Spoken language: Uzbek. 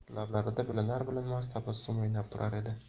lablarida bilinar bilinmas tabassum o'ynab turar edi